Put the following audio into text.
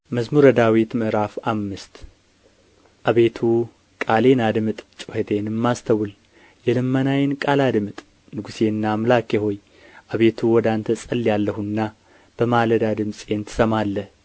መዝሙር ምዕራፍ አምስት አቤቱ ቃሌን አድምጥ ጩኸቴንም አስተውል የልመናዬን ቃል አድምጥ ንጉሤና አምላኬ ሆይ አቤቱ ወደ አንተ እጸልያለሁና በማለዳ ድምፄን ትሰማለህ